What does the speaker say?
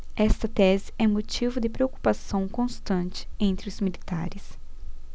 esta tese é motivo de preocupação constante entre os militares